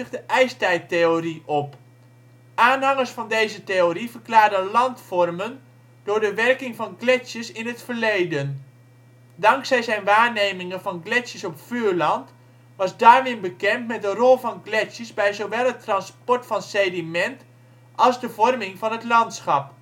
de ijstijdtheorie op. Aanhangers van deze theorie verklaarden landvormen door de werking van gletsjers in het verleden. Dankzij zijn waarnemingen van gletsjers op Vuurland was Darwin bekend met de rol van gletsjers bij zowel het transport van sediment als de vorming van het landschap